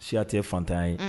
Siya tɛ fantanya ye!